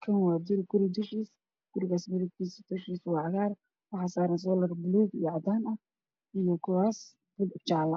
Kani waa guri dushiid gurigaas midabkiisa dushiisa waa cagaar waxaa saaran soolar gaduud iyo cadaan ah iyo kuraas darbi jaallaa.